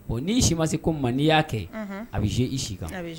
N'i si ma se ko ma n'i y'a kɛ a bɛ z i si kan